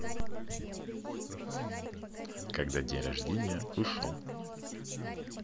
когда день рождения ушел